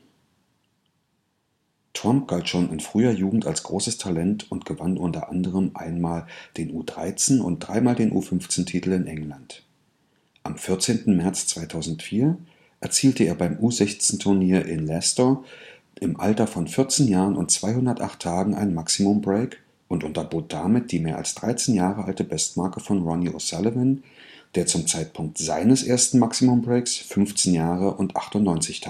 Trump galt schon in früher Jugend als großes Talent und gewann unter anderem einmal den U13 - und dreimal den U15-Titel in England. Am 14. März 2004 erzielte er beim U16-Turnier in Leicester im Alter von 14 Jahren und 208 Tagen ein Maximum Break und unterbot damit die mehr als 13 Jahre alte Bestmarke von Ronnie O’ Sullivan, der zum Zeitpunkt seines ersten Maximum Breaks 15 Jahre und 98